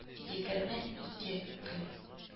Егерме ике көн